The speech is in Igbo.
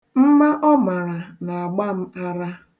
Mma ọ mara na-agba m ara.